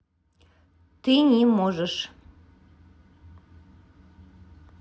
ты не можешь